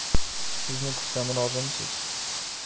sizni kuzatsam rozimisiz